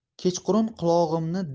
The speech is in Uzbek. kechqurun qulog'imni ding